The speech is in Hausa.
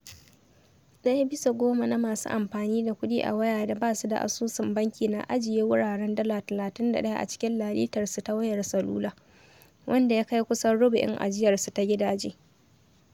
Ɗaya bisa goma na masu amfani da kuɗi a waya da ba su da asusun banki na ajiye wuraren dala 31 a cikin lalitarsu ta wayar salula, wanda ya kai kusan rubu'in ajiyarsu ta gidaje.